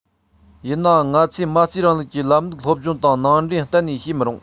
ཡིན ནའང ང ཚོས མ རྩའི རིང ལུགས ཀྱི ལམ ལུགས སློབ སྦྱོང དང ནང འདྲེན གཏན ནས བྱེད མི རུང